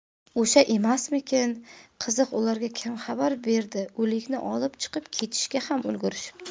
o'sha emasmikin qiziq ularga kim xabar berdi o'likni olib chiqib ko'mishga ham ulgurishibdi